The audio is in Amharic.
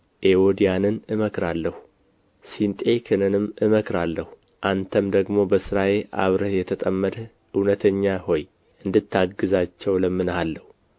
ኤዎድያንን እመክራለሁ ሲንጤኪንንም እመክራለሁ አንተም ደግሞ በሥራዬ አብረህ የተጠመድህ እውነተኛ ሆይ እንድታግዛቸው እለምንሃለሁ